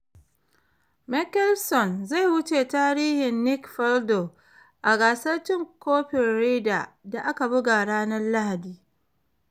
Mickelson zai wuce tarihin Nick Faldo a gasar cin kofin Ryder da aka buga ranar Lahadi.